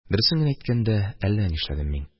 Дөресен генә әйткәндә, әллә ни эшләдем мин.